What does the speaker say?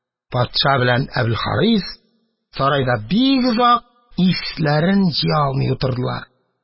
Патша белән Әбелхарис сарайда бик озак исләрен җыя алмый утырдылар.